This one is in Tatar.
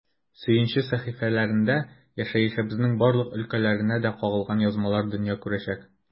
“сөенче” сәхифәләрендә яшәешебезнең барлык өлкәләренә дә кагылган язмалар дөнья күрәчәк.